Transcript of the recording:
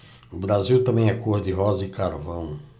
o brasil também é cor de rosa e carvão